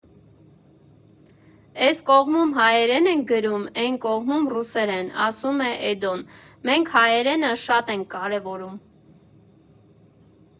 ֊ Էս կողմում հայերեն ենք գրում, էն կողմում՝ ռուսերեն, ֊ ասում է Էդոն, ֊ մենք հայերենը շատ ենք կարևորում։